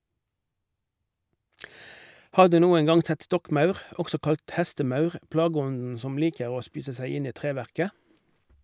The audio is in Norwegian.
Har du noen gang sett stokkmaur, også kalt hestemaur, plageånden som liker å spise seg inn i treverket?